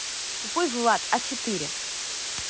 тупой влад а четыре